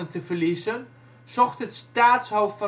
te verliezen zocht het staatshoofd